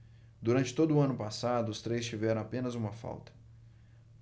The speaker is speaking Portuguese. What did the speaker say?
durante todo o ano passado os três tiveram apenas uma falta